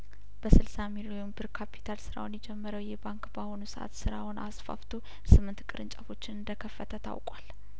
በስልሳ ሚሊዮን ብር ካፒታል ስራውን የጀመረው ይህ ባንክ በአሁኑ ሰአት ስራውን አስፋፍቶ ስምንት ቅርንጫፎችን እንደከፈተ ታውቋል